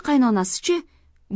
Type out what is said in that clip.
qaynonasi chi